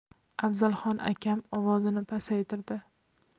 afzalxon akam ovozini pasaytirdi